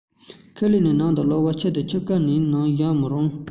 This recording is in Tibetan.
ཁས ལེན ལས ནང དུ བླུག པའི ཆུ དེ ཆུ རྐ ནང བཞག མི རུང